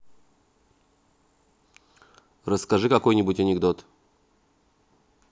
расскажи какой нибудь анекдот